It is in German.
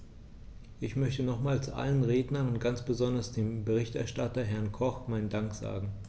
Ich möchte nochmals allen Rednern und ganz besonders dem Berichterstatter, Herrn Koch, meinen Dank sagen.